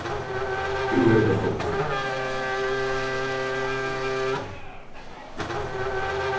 tú hevur tað stuttligt